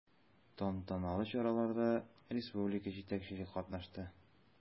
Тантаналы чараларда республика җитәкчелеге катнашты.